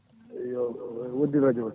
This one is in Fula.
eyyo mi woɗɗi radio